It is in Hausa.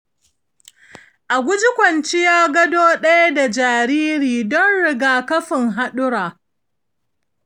a guji kwanciya gado ɗaya da jariri don riga-kafin haɗura